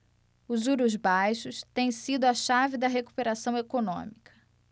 os juros baixos têm sido a chave da recuperação econômica